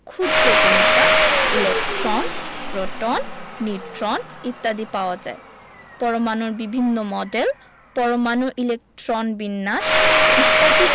ক্ষুদ্র কণিকা electron proton neutron ইত্যাদি পাওয়া যায় পরমাণুর বিভিন্ন মডেল পরমাণুর ইলেকট্রন বিন্যাস ইত্যাদি